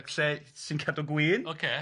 Lle sy'n cadw gwin ocê.